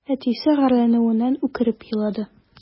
Әтисе гарьләнүеннән үкереп елады.